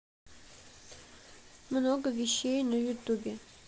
много вещей на ютубе